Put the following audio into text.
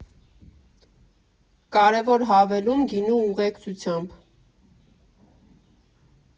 Կարևոր հավելում՝ գինու ուղեկցությամբ։